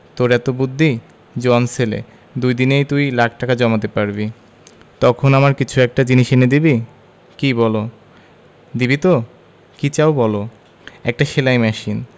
তোর এত বুদ্ধি জোয়ান ছেলে দুদিনেই তুই লাখ টাকা জমাতে পারবি তখন আমার কিছু একটা জিনিস এনে দিবি কি বলো দিবি তো কি চাও বলো একটা সেলাই মেশিন